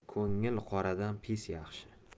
ko'ngli qoradan pes yaxshi